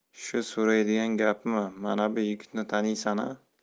shu so'raydigan gapmi mana bu yigitni taniysan a